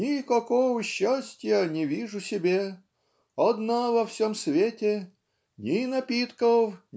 Никакого счастья не вижу себе одна во всем свете ни напитков